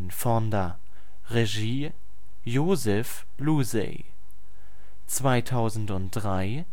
Fonda, Regie: Joseph Losey 2003